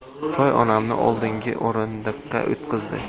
toy onamni oldingi o'rindiqqa o'tqizdi